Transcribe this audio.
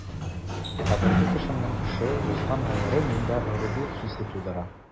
Кадерле кешемнең эше, узган гомере миндә горурлык хисе тудыра.